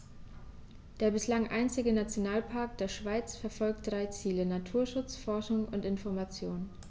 Der bislang einzige Nationalpark der Schweiz verfolgt drei Ziele: Naturschutz, Forschung und Information.